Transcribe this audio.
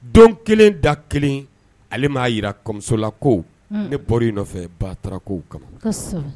Don kelen da kelen ale ma'a jira kɔmimusola ko ne bɔra in nɔfɛ batako kama